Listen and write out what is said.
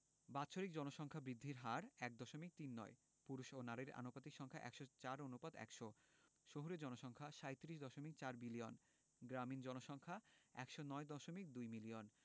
বাৎসরিক জনসংখ্যা বৃদ্ধির হার ১দশমিক তিন নয় পুরুষ ও নারীর আনুপাতিক সংখ্যা ১০৪ অনুপাত ১০০ শহুরে জনসংখ্যা ৩৭দশমিক ৪ মিলিয়ন গ্রামীণ ১০৯দশমিক ২ মিলিয়ন